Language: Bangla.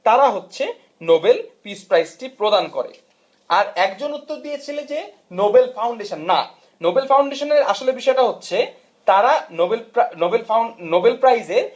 তারা হচ্ছে নোবেল পিস প্রাইজ প্রদান করে আর একজন উত্তর দিয়েছিলে যে নোবেল ফাউন্ডেশন না নোবেল ফাউন্ডেশন এর আসল বিষয়টা হচ্ছে তার আর নোবেল প্রাইজে